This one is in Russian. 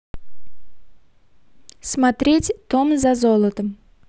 смотреть том за золотом